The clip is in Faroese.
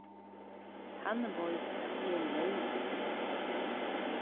hann veit at eg leyg fyri honum